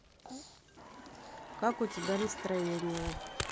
как у тебя настроение